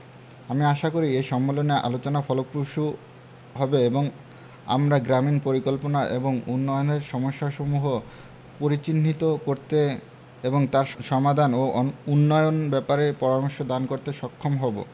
আমি আশা করি এ সম্মেলনে আলোচনা ফলপ্রসূ হবে এবং আমরা গ্রামীন পরিকল্পনা এবং উন্নয়নের সমস্যাসমূহ পরিচিহ্নিত করতে এবং তার সমাধান ও উন্নয়ন ব্যাপারে পরামর্শ দান করতে সক্ষম হবো